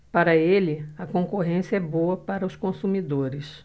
para ele a concorrência é boa para os consumidores